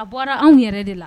A bɔra anw yɛrɛ de la